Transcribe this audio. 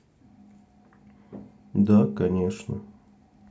да конечно